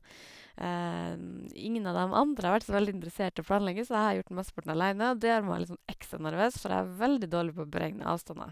Ingen av dem andre har vært så veldig interessert i å planlegge, så jeg har gjort mesteparten aleine, og det gjør meg litt sånn ekstra nervøs, for jeg er veldig dårlig på å beregne avstander.